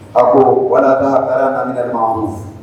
A ko wala ala' laminɛlima